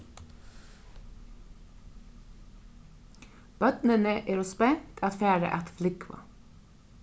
børnini eru spent at fara at flúgva